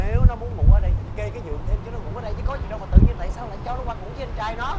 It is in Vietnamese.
nếu nó muốn ngủ ở đây thì anh kê cái giường thêm cho nó ngủ ở đây chứ có gì đâu mà tự nhiên tại sao lại cho nó ngủ với anh trai nó